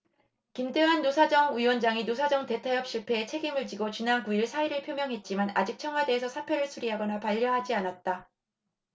김대환 노사정위원장이 노사정 대타협 실패에 책임을 지고 지난 구 일 사의를 표명했지만 아직 청와대에서 사표를 수리하거나 반려하지 않았다